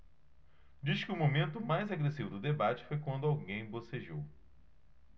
diz que o momento mais agressivo do debate foi quando alguém bocejou